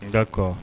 D'accord